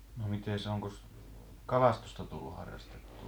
no mitenkäs onkos kalastusta tullut harrastettua -